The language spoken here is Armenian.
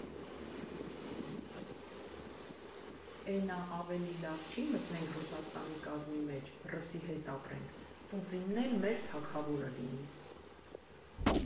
Էն ա ավելի լավ չի՞ մտնենք Ռուսաստանի կազմի մեջ, ռսի հետ ապրենք, Պուծինն էլ մեր թագավորը լինի։